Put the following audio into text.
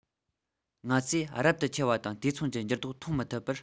ང ཚོས རབ ཏུ ཆེ བ དང དུས མཚུངས ཀྱི འགྱུར ལྡོག མཐོང མི ཐུབ པར